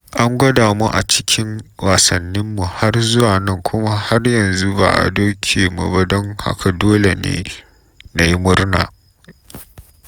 “An gwada mu a cikin wasanninmu har zuwa nan, kuma har yanzu ba a doke mu ba, don haka dole na yi murna,” inji shi.